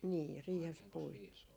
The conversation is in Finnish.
niin riihessä puitiin